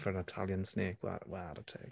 For an Italian snake well chwarae teg.